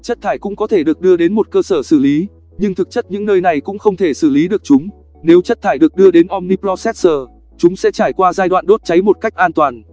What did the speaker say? chất thải cũng có thể được đưa đến một cơ sở xử lý nhưng thực chất những nơi này cũng không thể xử lý được chúng nếu chất thải được đưa đến omniprocessor chúng sẽ trải qua giai đoạn đốt cháy một cách an toàn